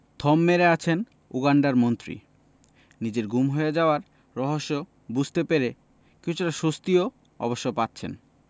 থম মেরে আছেন উগান্ডার মন্ত্রী নিজের গুম হয়ে যাওয়ার রহস্য বুঝতে পেরে কিছুটা স্বস্তিও অবশ্য পাচ্ছেন